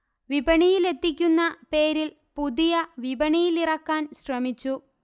വിപണിയിലെത്തിക്കുന്ന പേരിൽ പുതിയ വിപണിയിലിറക്കാൻശ്രമിച്ചു